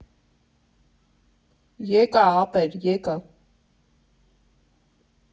֊ Եկա, ապեր, եկա…